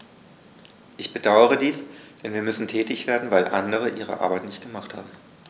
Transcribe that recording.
Ich bedauere dies, denn wir müssen tätig werden, weil andere ihre Arbeit nicht gemacht haben.